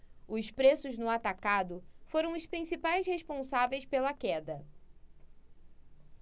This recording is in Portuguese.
os preços no atacado foram os principais responsáveis pela queda